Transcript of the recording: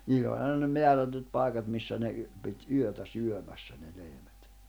niillä oli aina ne määrätyt paikat missä ne - piti yötä syömässä ne lehmät